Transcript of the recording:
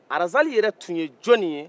razali yɛrɛ tun ye jɔn ye